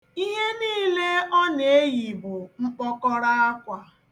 Ihe niile ọ na-eyi bụ mkpọkọrọ akwa.